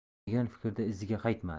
degan fikrda iziga qaytmadi